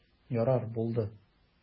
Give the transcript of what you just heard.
Ярар, булды.